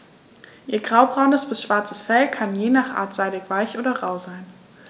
Ihr graubraunes bis schwarzes Fell kann je nach Art seidig-weich oder rau sein.